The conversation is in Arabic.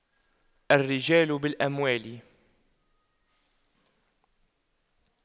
الرجال بالأموال